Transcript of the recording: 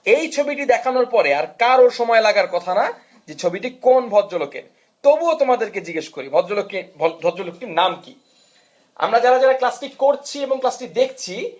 এই ছবিটি দেখানোর পরে আর কারো সময় লাগার কথা না যে ছবিটি কোন ভদ্রলোকের তবুও তোমাদের কে জিজ্ঞেস করি যে ভদ্রলোকের নাম কি আমরা যারা যারা ক্লাস টি করছি এবং ক্লাসটি দেখছি